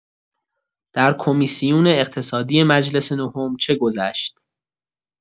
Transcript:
در کمیسیون اقتصادی مجلس نهم چه گذشت؟